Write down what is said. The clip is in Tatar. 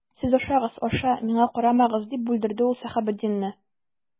Сез ашагыз, аша, миңа карамагыз,— дип бүлдерде ул Сәхәбетдинне.